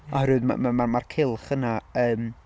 Oherwydd m- m- m- mae'r cylch yna yn...